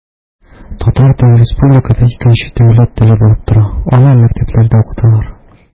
Татар теле республикада икенче дәүләт теле булып тора, аны мәктәпләрдә укыталар.